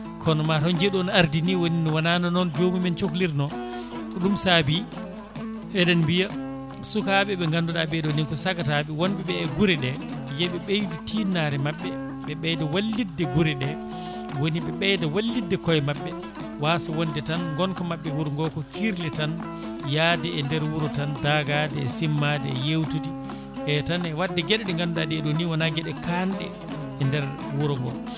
kono matw jeeɗu o no ardi ni woni wona noon joomum en cohlirno ko ɗum saabi eɗen mbiiya sukaɓe ɓa ganduɗa ɓeeɗo ni ko sagataɓe wonɓeɓe e guure ɗe yooɓe ɓeydu tinnare mabɓe ɓe ɓeyda wallidde guure ɗe woni ɓe ɓeyda wallidde koye mabɓe wasa wonde tan gonka mbaɓe wuuro ngo kirle tan yaade e nder wuuro tan daagade e simmade e yewtude e tan e wadde gueɗe ɗe ganduɗa ɗe ɗo ni wona gueɗe kanɗe e nder wuuro ngo